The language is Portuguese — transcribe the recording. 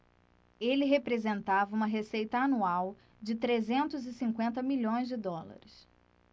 ele representava uma receita anual de trezentos e cinquenta milhões de dólares